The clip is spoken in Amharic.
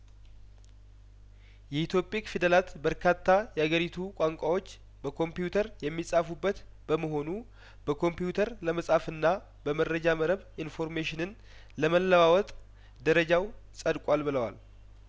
የኢትዮ ፒክ ፊደላት በርካታ ያገሪቱ ቋንቋዎች በኮምፒውተር የሚጻፉበት በመሆኑ በኮምፒውተር ለመጻፍና በመረጃ መረብ ኢንፎርሜሽንን ለመለዋወጥ ደረጃው ጸድቋል ብለዋል